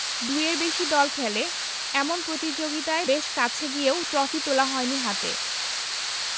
দুইয়ের বেশি দল খেলে এমন প্রতিযোগিতায় বেশ কাছে গিয়েও ট্রফি তোলা হয়নি হাতে